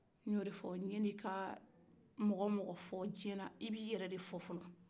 n y'o de fɔ yanni i ka mɔgɔ o mɔgɔ fɔ diɲɛ na i b'i yɛrɛ de fɔ fɔlɔ